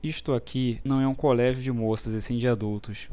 isto aqui não é um colégio de moças e sim de adultos